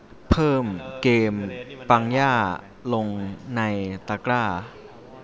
เพิ่มเกมปังย่าลงในตะกร้า